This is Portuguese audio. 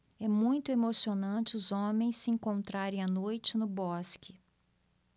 é muito emocionante os homens se encontrarem à noite no bosque